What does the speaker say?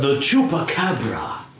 The Chupacabra.